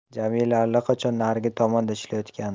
jamila allaqachon narigi tomonda ishlayotgandi